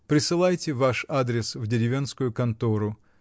Присылайте ваш адрес в деревенскую контору.